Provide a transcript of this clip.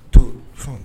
To fɔ